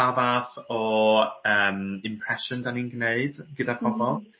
pa fath o yym impression 'dan ni'n gneud gyda'r pobol.